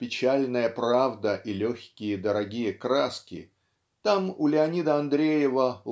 печальная правда и легкие дорогие краски, там у Леонида Андреева